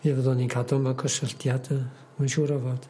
Fe fyddwn ni'n ca'l dwrnod cysylltiad yy mae'n siŵr o fod.